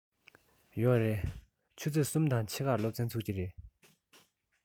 ཡོད རེད ཆུ ཚོད གསུམ དང ཕྱེད ཀར སློབ ཚན ཚུགས ཀྱི རེད